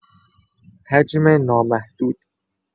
حجم نامحدود